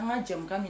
An ka jamukan ɲini ye